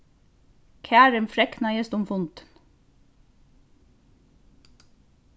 karin fregnaðist um fundin